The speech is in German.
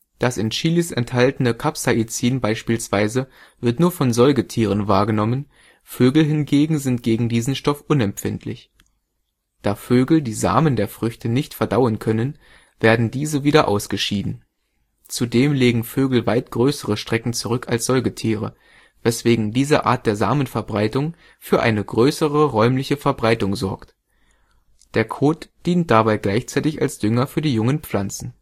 Das in Chilis enthaltene Capsaicin beispielsweise wird nur von Säugetieren wahrgenommen, Vögel hingegen sind gegen diesen Stoff unempfindlich. Da Vögel die Samen der Früchte nicht verdauen können, werden diese wieder ausgeschieden. Zudem legen Vögel weit größere Strecken zurück als Säugetiere, weswegen diese Art der Samenverbreitung für eine größere räumliche Verbreitung sorgt. Der Kot dient dabei gleichzeitig als Dünger für die jungen Pflanzen